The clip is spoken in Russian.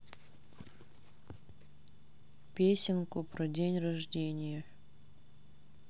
песенку про день рождения